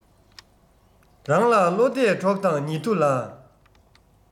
རང ལ བློ གཏད གྲོགས དང ཉེ དུ ལ